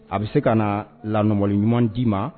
A bɛ se ka na laɲuman d'i ma